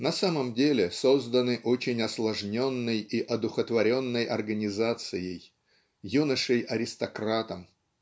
на самом деле созданы очень осложненной и одухотворенной организацией юношей-аристократом.